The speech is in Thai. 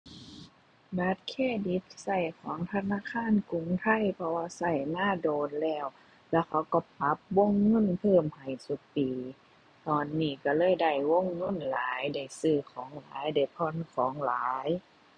บัตรเครดิตใช้ของธนาคารกรุงไทย เพราะว่าใช้มาโดนแล้ว แล้วเขาใช้ปรับวงเงินเพิ่มให้ซุปี ตอนนี้ใช้เลยได้วงเงินหลายได้ซื้อของหลาย ได้ผ่อนของหลาย